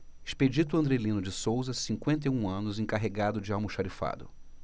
expedito andrelino de souza cinquenta e um anos encarregado de almoxarifado